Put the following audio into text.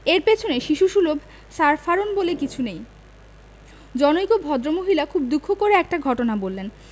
এর পেছনে শিশুসুলভ সার ফারন বলে কিছু নেই জনৈক ভদ্রমহিলা খুব দুঃখ করে একটা ঘটনা বললেন